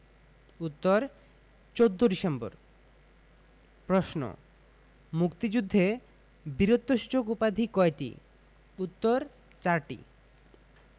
উত্তর ১৪ ডিসেম্বর প্রশ্ন মুক্তিযুদ্ধে বীরত্বসূচক উপাধি কয়টি উত্তর চারটি